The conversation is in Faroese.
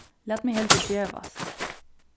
lat meg heldur gevast